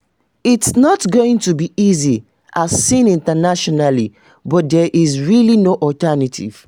It's not going to be easy as seen internationally, but there is really no alternative.